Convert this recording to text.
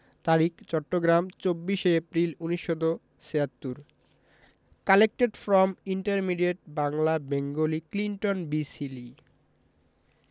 তারিখ চট্টগ্রাম ২৪শে April ১৯৭৬ collected from intermediate Bangla Bengali Clinton B Seely